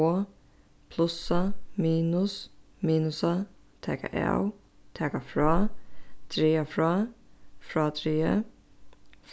og plussa minus minusa taka av taka frá draga frá frádrigið